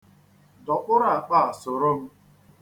Dọkpụrụ akpa a soro m.